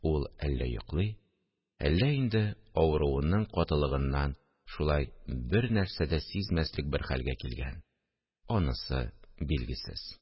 Ул әллә йоклый, әллә инде авыруының катылыгыннан шулай бернәрсә дә сизмәслек бер хәлгә килгән – анысы билгесез